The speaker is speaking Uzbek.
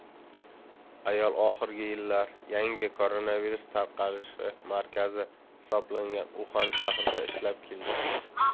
ayol oxirgi yillar yangi koronavirus tarqalish markazi hisoblangan uxan shahrida ishlab kelgan